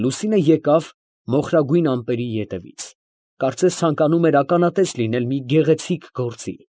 Լուսինը դուրս եկավ մոխրագույն ամպերի ետևից, կարծես, ցանկանում էր ականատես լինել մի գեղեցիկ գործի։